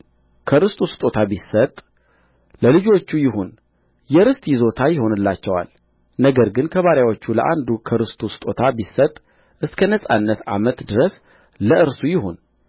ከርስቱ ስጦታ ቢሰጥ ለልጆቹ ይሁን የርስት ይዞታ ይሆንላቸዋል ነገር ግን ከባሪያዎቹ ለአንዱ ከርስቱ ስጦታ ቢሰጥ እስከ ነጻነት ዓመት ድረሰ ለእርሱ ይሁን